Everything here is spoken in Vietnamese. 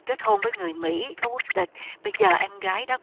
kết hôn với người mỹ có quốc tịch bây giờ em gái đó